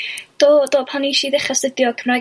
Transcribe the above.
do, do pan 'nes i ddechra' stydio Cymraeg ag